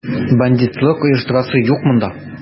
Бандитлык оештырасы юк монда!